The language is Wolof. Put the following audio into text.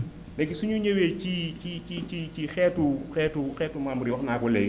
léegi suñu ñëwee ci ci ci ci ci xeetu xeetu xeetu membre yi wax naa ko léegi